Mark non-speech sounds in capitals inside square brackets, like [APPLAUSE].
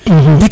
[HESITATION] [HESITATION]